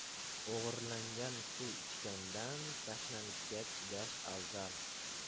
o'g'irlangan suv ichgandan tashnalikka chidash afzal